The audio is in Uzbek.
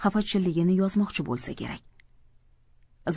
xafachiligini yozmoqchi bo'lsa kerak